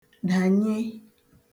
dànye